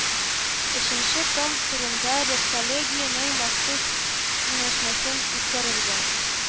Өченче том турында редколлегиянең махсус киңәшмәсен үткәрергә